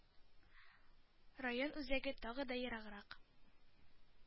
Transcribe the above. Район үзәге тагы да ераграк.